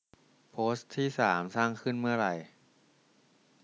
โพสต์ที่สามสร้างขึ้นเมื่อไร